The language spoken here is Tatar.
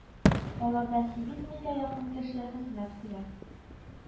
Аларда сигез меңгә якын кеше хезмәт куя